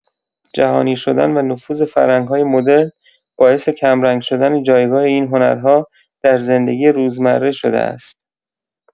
جهانی‌شدن و نفوذ فرهنگ‌های مدرن باعث کم‌رنگ شدن جایگاه این هنرها در زندگی روزمره شده است.